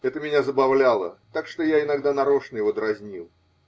Это меня забавляло, так что я иногда нарочно его дразнил.